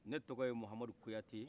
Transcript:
ne tɔgɔye muhamadu kuyate